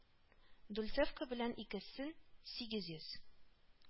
Дульцевка белән икесен сигез йөз